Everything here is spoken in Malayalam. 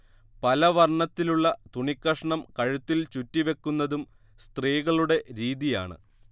പലവർണ്ണത്തിലുള്ള തുണികഷ്ണം കഴുത്തിൽ ചുറ്റി വെക്കുന്നതും സ്ത്രീകളുടെ രീതിയാണ്